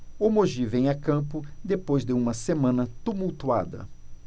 o mogi vem a campo depois de uma semana tumultuada